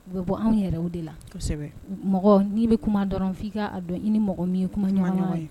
U bɛ bɔ anw yɛrɛ de la, kosɛbɛ mɔgɔ n'i bɛ kuma dɔrɔn f'i ka a dɔn i ni mɔgɔ min ye kuma ɲɔgɔn ye.